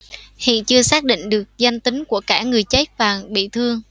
hiện chưa xác định được danh tính của cả người chết và bị thương